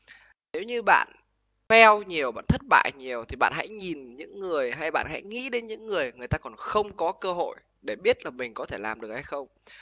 nếu như bạn pheo nhiều bạn thất bại nhiều thì bạn hãy nhìn những người hay bạn hãy nghĩ đến những người người ta còn không có cơ hội để biết là mình có thể làm được hay không